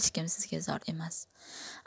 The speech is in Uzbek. hech kim sizga zor emas